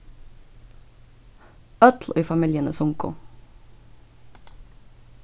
øll í familjuni sungu